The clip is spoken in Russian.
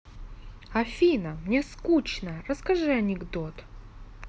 афина мне скучно расскажи анекдот